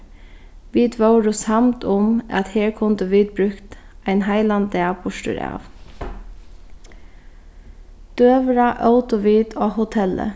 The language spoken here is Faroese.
vit vóru samd um at her kundu vit brúkt ein heilan dag burturav døgurða ótu vit á hotelli